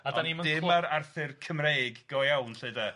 A 'dan ni'm yn clw-... Ond dim yr Arthur Cymreig go iawn 'lly de.